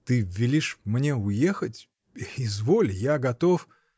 — Ты велишь мне уехать: изволь — я готов.